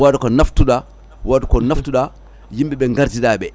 woda ko naftuɗa woda ko naftuɗa yimɓe ɓe gardiɗa ɓe